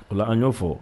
O an y' fɔ